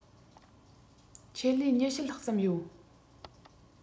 ཆེད ལས ༢༠ ལྷག ཙམ ཡོད